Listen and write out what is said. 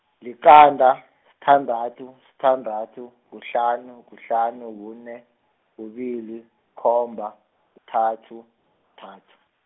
liqanda, sithandathu, sithandathu, kuhlanu kuhlanu kune, kubili, khomba, kuthathu, kuthathu.